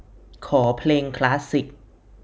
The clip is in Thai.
ขอเพลงคลาสสิค